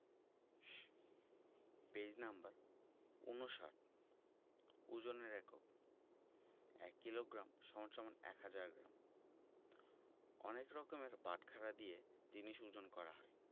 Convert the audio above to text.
ওজনের এককঃ ১ kilogram = ১০০০ gram অনেক রকমের বাটখারা দিয়ে জিনিস ওজন করা হয়